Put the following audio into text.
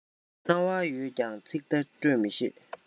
རྣ བ ཡོད ཀྱང ཚིག བརྡ སྤྲོད མི ཤེས